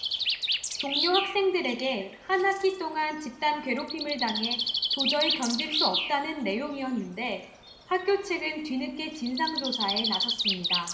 동료 학생들에게 한 학기 동안 집단 괴롭힘을 당해 도저히 견딜 수 없다는 내용이었는데 학교 측은 뒤늦게 진상조사에 나섰습니다